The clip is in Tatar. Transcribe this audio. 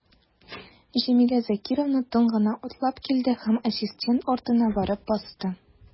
Җәмилә Закировна тын гына атлап килде һәм ассистент артына барып басты.